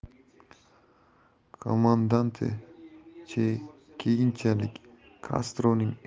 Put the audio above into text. komandante che keyinchalik kastroning